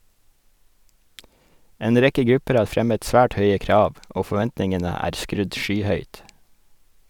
En rekke grupper har fremmet svært høye krav, og forventningene er skrudd skyhøyt.